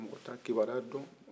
mɔgɔ t'a kibaruya dɔn